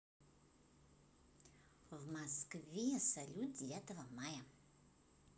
в москве салют девятого мая